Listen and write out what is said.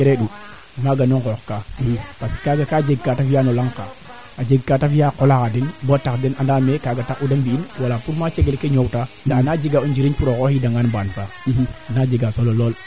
parce que o ndeeta ngaan maanaam areer kaa ref kaa aando naye manaam a jega nge engrais sax a jega kee and naye kaa xicanan a xooxum o mbaata ngaano ndik rek awaaa ret to comme keene te qicana xooxum bo xaqa noona yit kaa yoqaa maaga